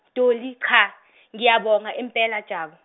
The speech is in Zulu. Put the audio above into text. Dolly cha , ngiyabonga impela Jabu.